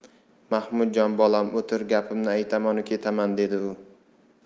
mahmudjon bolam o'tir gapimni aytamanu ketaman dedi u